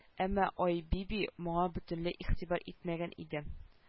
Әмма айбиби моңа бөтенләй игътибар итмәгән иде